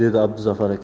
dedi abduzafar aka